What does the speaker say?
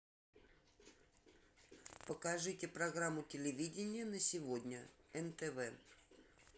покажите программу телевидения на сегодня нтв